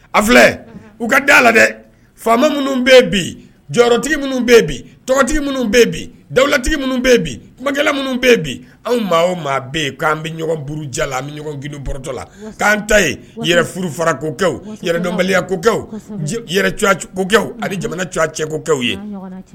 A filɛ u ka da la dɛ minnu bɛ bi jɔyɔrɔrɔtigi minnu bɛ bitigi minnu bɛ bi dawuwulatigi minnu bɛ bi kumakɛ minnu bɛ bi anw maa o maa bɛyi k'an bɛ ɲɔgɔn ja an bɛ ɲɔgɔn gorotɔ la k'an ta ye yɛrɛ furufakokɛ yɛrɛdɔnbaliyako ko ani jamana c cɛkokɛ ye